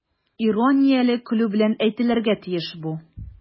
Иронияле көлү белән әйтелергә тиеш бу.